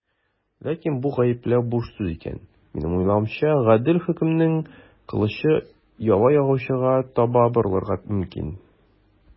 Ләкин бу гаепләү буш сүз икән, минем уйлавымча, гадел хөкемнең кылычы яла ягучыга таба борылырга мөмкин.